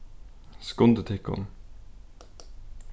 skundið tykkum